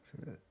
se